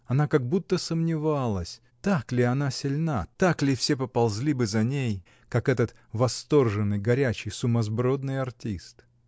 Она как будто сомневалась, так ли она сильна, так ли все поползли бы за ней, как этот восторженный, горячий, сумасбродный артист?